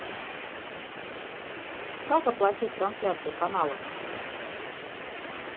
как оплатить трансляцию каналов